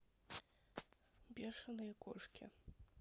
бешеные кошки